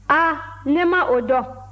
a ne ma o dɔn